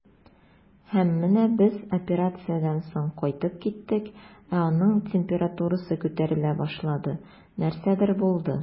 Һәм менә без операциядән соң кайтып киттек, ә аның температурасы күтәрелә башлады, нәрсәдер булды.